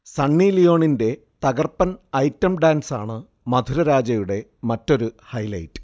സണ്ണി ലിയോണിൻറെ തകർപ്പൻ ഐറ്റം ഡാൻസാണ് മധുരരാജയുടെ മറ്റൊരു ഹൈലൈറ്റ്